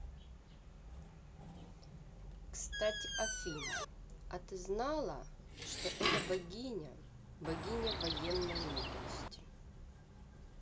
кстати афина а ты знала что это богиня богиня военной мудрости